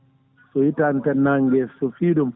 so ittani tan nangue gue so fiiɗum